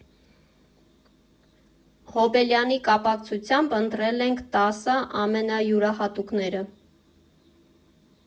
Հոբելյանի կապակցությամբ ընտրել ենք տասը ամենայուրահատուկները։